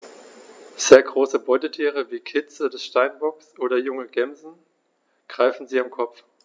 Sehr große Beutetiere wie Kitze des Steinbocks oder junge Gämsen greifen sie am Kopf.